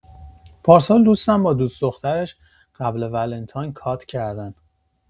پارسال دوستم با دوس دخترش قبل ولنتاین کات کردن